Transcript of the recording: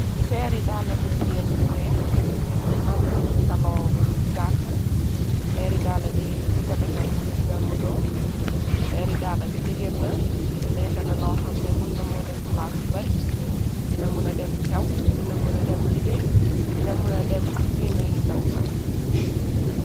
Peeri dalla bu jigeen bu weex, am talon bu gatta. Peer li dalla bi ñu ko defar ñugi tuddamu loo, peer yi dalla bi degirna te ne kana loo xamne mun namoo dem plaas yu bari , dina muna dem xew, dina muna dem liggéey ,dina muna dem genna yi ndawu tamit.